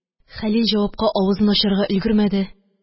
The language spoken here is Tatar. Хәлил җавапка авызын ачарга өлгермәде,